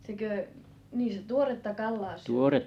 sekö niin se tuoretta kalaa syö